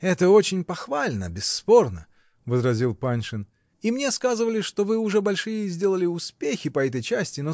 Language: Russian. -- Это очень похвально, бесспорно, -- возразил Паншин, -- и мне сказывали, что вы уже большие сделали успехи по этой части